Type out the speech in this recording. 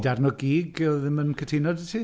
Darn o gig oedd ddim yn cytuno 'da ti?